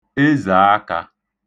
ezàakā